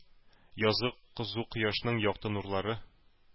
Язгы кызу кояшның якты нурлары,